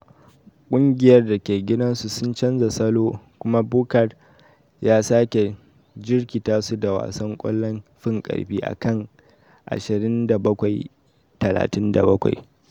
Ƙungiyar da ke gidasun sun canza salo kuma Buchard ta sake jirkita su da wasan kwallon fin karfi akan 27:37.